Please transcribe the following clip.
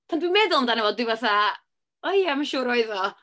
Pan dwi'n meddwl amdano fo, dwi fatha, "o ia, mae'n siŵr oedd o".